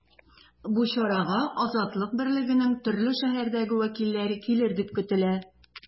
Бу чарага “Азатлык” берлегенең төрле шәһәрдәге вәкилләре килер дип көтелә.